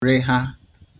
reha